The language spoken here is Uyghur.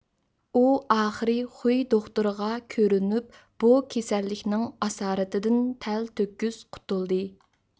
ئۇ ئاخىرى خۈي دوختۇرغا كۆرۈنۈپ بۇ كېسەللىكنىڭ ئاسارىتىدىن تەلتۆكۈس قۇتۇلدى